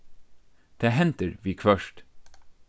tað hendir viðhvørt